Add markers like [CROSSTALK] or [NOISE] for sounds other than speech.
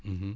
[HESITATION] [HESITATION]